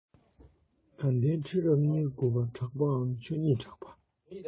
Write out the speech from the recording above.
དགའ ལྡན ཁྲི རབས ཉེར དགུ པ གྲགས པའམ ཆོས གཉེར གྲགས པ